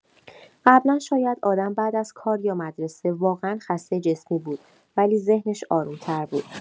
قبلا شاید آدم بعد از کار یا مدرسه، واقعا خسته جسمی بود، ولی ذهنش آروم‌تر بود.